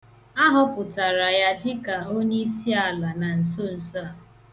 A họpụtara ya dịka onyeisi ala na nsonso a.